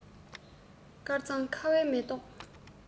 དཀར གཙང ཁ བའི མེ ཏོག